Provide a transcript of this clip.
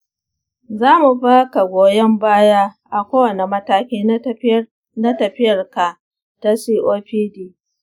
za mu ba ka goyon baya a kowane mataki na tafiyar ka ta copd.